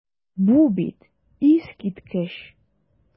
Бу бит искиткеч!